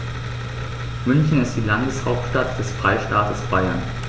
München ist die Landeshauptstadt des Freistaates Bayern.